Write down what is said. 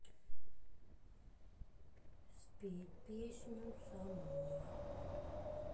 спеть песню самой